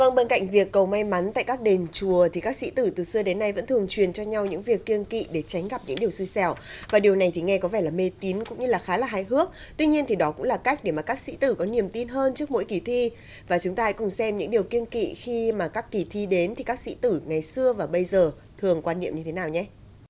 vâng bên cạnh việc cầu may mắn tại các đền chùa thì các sĩ tử từ xưa đến nay vẫn thường truyền cho nhau những việc kiêng kỵ để tránh gặp những điều xui xẻo và điều này thì nghe có vẻ mê tín cũng như là khá là hài hước tuy nhiên thì đó cũng là cách để mà các sĩ tử có niềm tin hơn trước mỗi kỳ thi và chúng ta hãy cùng xem những điều kiêng kỵ khi mà các kỳ thi đến thì các sĩ tử ngày xưa và bây giờ thường quan niệm như thế nào nhé